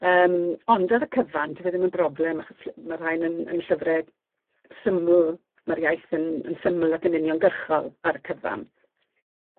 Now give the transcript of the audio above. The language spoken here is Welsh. Yym ond ar y cyfan dyw e ddim yn broblem, achos ll- my'r rhain yn yn llyfre syml, ma'r iaith yn yn syml ac yn uniongyrchol ar y cyfan.